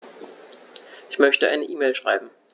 Ich möchte eine E-Mail schreiben.